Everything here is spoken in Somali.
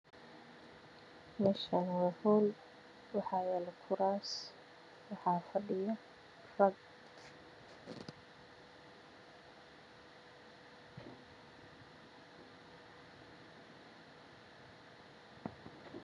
Meeshaan waa hool waxaa yaalo kuraasman waxaa fadhiyo dad.